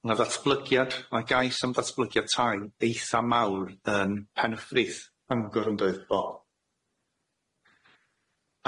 ma' ddatblygiad ma' gais am ddatblygiad tai eitha mawr yn Penyffrith Bangor yndoedd o.